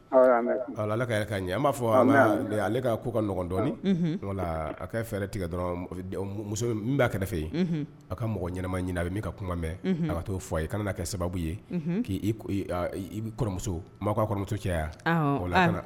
Ala ka'a ɲɛ an b'a fɔ ale ka ko ka ɲɔgɔndɔ a ka fɛ tigɛ dɔrɔn'a kɛrɛfɛ fɛ yen a ka mɔgɔ ɲɛnama ɲini a bɛ min ka kunkan mɛn a ka taao fɔ a ye ka kana kɛ sababu ye k' i bɛmuso kaamuso caya o la ka